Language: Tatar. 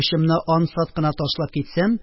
Коткаручымны ансат кына ташлап китсәм